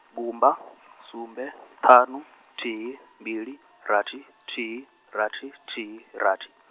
gumba , sumbe ṱhanu thihi mbili rathi thihi rathi thihi rathi.